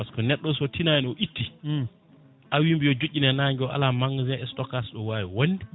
par ce que neɗɗo so tinani o itti a wiimo yo joɗin e nangue o ala magasin stockage ɗo wawi wonde